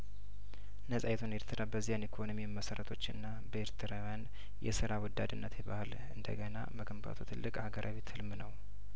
ነጻይቱን ኤርትራ በዚያን የኢኮኖሚ መሰረቶችና በኤርትራውያን የስራ ወዳድነት የባህል እንደገና መገንባቱ ትልቅ ሀገራዊ ትልም ነው